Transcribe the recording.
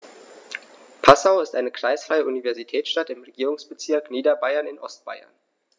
Passau ist eine kreisfreie Universitätsstadt im Regierungsbezirk Niederbayern in Ostbayern.